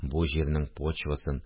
Бу җирнең почвасын